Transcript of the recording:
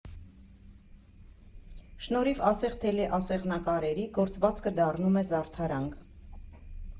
Շնորհիվ ասեղ֊թելի ասեղնակարերի գործվածքը դառնում է զարդարանք։